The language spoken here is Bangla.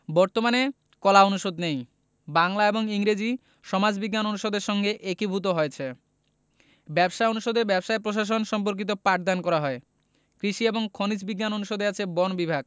বর্তমানে কলা অনুষদ নেই বাংলা এবং ইংরেজি সমাজবিজ্ঞান অনুষদের সঙ্গে একীভূত হয়েছে ব্যবসায় অনুষদে ব্যবসায় প্রশাসন সম্পর্কিত পাঠদান করা হয় কৃষি এবং খনিজ বিজ্ঞান অনুষদে আছে বন বিভাগ